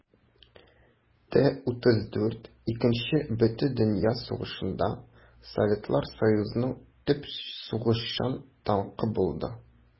Т-34 Икенче бөтендөнья сугышында Советлар Союзының төп сугышчан танкы булды.